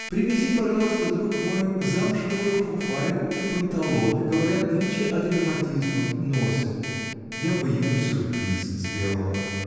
Привези, пожалуйста, друг мой, замшевую фуфайку и панталоны: говорят, нынче от ревматизмов носят. Я бы ему сюрприз сделала.